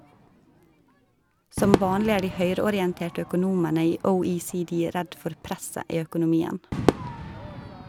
Som vanlig er de høyreorienterte økonomene i OECD redd for «presset» i økonomien.